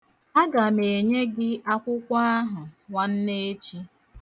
Aga m enye gị akwụkwọ ahụ nwanneechi.